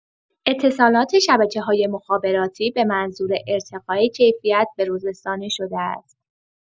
اتصالات شبکه‌های مخابراتی به منظور ارتقاء کیفیت به‌روزرسانی شده است.